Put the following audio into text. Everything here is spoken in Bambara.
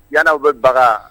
Yanana'aw bɛ baga